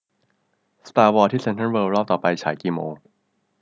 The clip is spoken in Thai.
สตาร์วอร์ที่เซ็นทรัลเวิลด์รอบต่อไปฉายกี่โมง